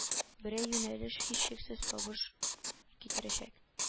Берәр юнәлеш һичшиксез табыш китерәчәк